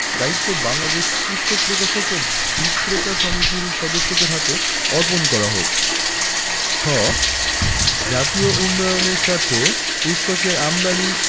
দায়িত্ব বাংলাদেশ পুস্তক প্রকাশক ও বিক্রেতা সমিতির সদস্যদের হাতে অর্পণ করা হোক ঠ জাতীয় উন্নয়নের স্বার্থে পুস্তকের আমদানী